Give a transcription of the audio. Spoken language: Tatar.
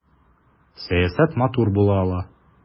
Сәясәт матур була ала!